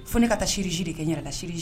Fo ne ka taa ssi de kɛ n kata seli